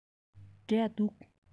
འབྲས འདུག